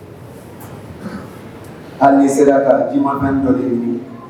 Hali n'i sera ka jima fɛn dɔ ɲini